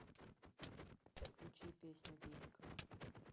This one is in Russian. включи песню бибика